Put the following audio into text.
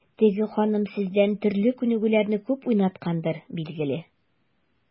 Теге ханым сездән төрле күнегүләрне күп уйнаткандыр, билгеле.